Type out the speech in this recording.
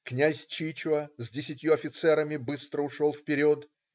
Князь Чичуа с десятью офицерами быстро ушел вперед.